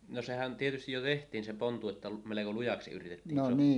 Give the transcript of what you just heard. no sehän tietysti jo tehtiin se pontut että melko lujaksi yritettiin saada